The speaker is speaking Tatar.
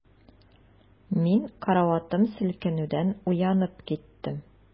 Мин караватым селкенүдән уянып киттем.